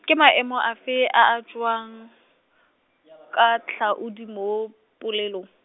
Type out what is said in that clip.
ke maemo afe a a tsewang, ka tlhaodi mo, polelong?